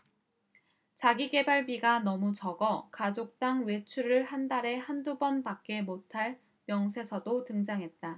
자기계발비가 너무 적어 가족당 외출을 한 달에 한 두 번밖에 못할 명세서도 등장했다